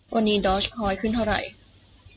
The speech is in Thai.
วันนี้ดอร์จคอยขึ้นเท่าไหร่